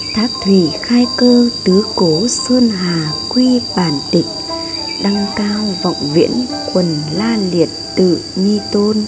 thác thủy khai cơ tứ cố sơn hà quy bản tịch đăng cao vọng viễn quần la liệt tự nhi tôn